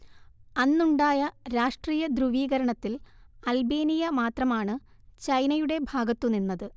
അന്നുണ്ടായ രാഷ്ട്രീയ ധ്രുവീകരണത്തിൽ അൽബേനിയ മാത്രമാണ് ചൈനയുടെ ഭാഗത്തു നിന്നത്